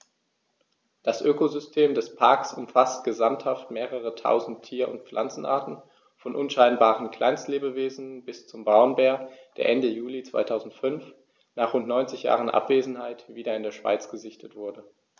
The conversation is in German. Das Ökosystem des Parks umfasst gesamthaft mehrere tausend Tier- und Pflanzenarten, von unscheinbaren Kleinstlebewesen bis zum Braunbär, der Ende Juli 2005, nach rund 90 Jahren Abwesenheit, wieder in der Schweiz gesichtet wurde.